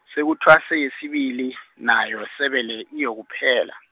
sekuthwase yesibili, nayo sebele, iyokuphela.